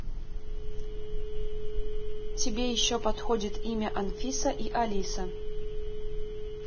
тебе еще подходит имя анфиса и алиса